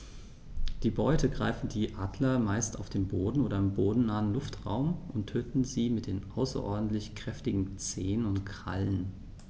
Die Beute greifen die Adler meist auf dem Boden oder im bodennahen Luftraum und töten sie mit den außerordentlich kräftigen Zehen und Krallen.